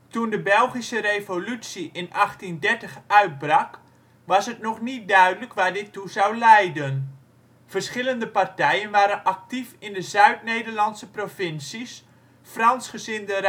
Toen de Belgische Revolutie in 1830 uitbrak, was het nog niet duidelijk waar die toe zou leiden. Verschillende partijen waren actief in de Zuid-Nederlandse provincies: Fransgezinde